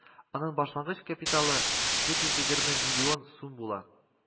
Аның башлангыч капиталы дүрт йөз егерме миллион сум була